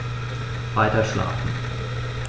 Weiterschlafen.